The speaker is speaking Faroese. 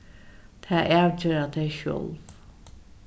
tað avgera tey sjálv